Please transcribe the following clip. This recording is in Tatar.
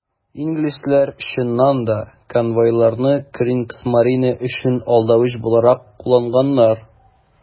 Инглизләр, чыннан да, конвойларны Кригсмарине өчен алдавыч буларак кулланганнар.